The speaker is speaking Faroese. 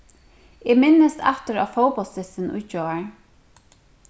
eg minnist aftur á fótbóltsdystin í gjár